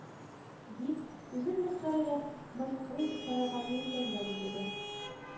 Дип, үзен мәсхәрәләп, мыскыл итеп карарга ниятләгән иде дә,